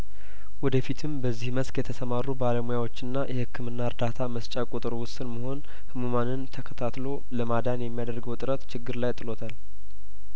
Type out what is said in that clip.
ወደፊትም በዚህ መስክ የተሰማሩ ባለሙያዎችና የህክምና እርዳታ መስጫ ቁጥር ውስን መሆን ህሙማንን ተከታትሎ ለማዳን የሚደረገው ጥረት ችግር ላይ ጥሎታል